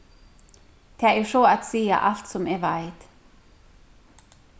tað er so at siga alt sum eg veit